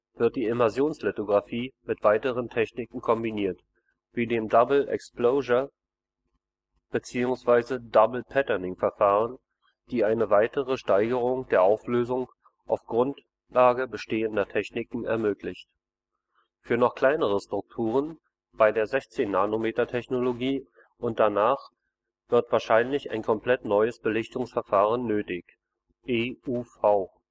wird die Immersionslithografie mit weiteren Techniken kombiniert, wie dem Double-Exposure - bzw. Double-Patterning-Verfahren, die eine weitere Steigerung der Auflösung auf Grundlage bestehender Techniken ermöglicht. Für noch kleinere Strukturen bei der 16-nm-Technologie und danach wird (wahrscheinlich) ein komplett neues Belichtungsverfahren nötig: EUV